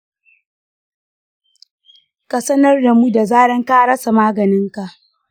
ka sanar damu da zarar ka rasa maganinka.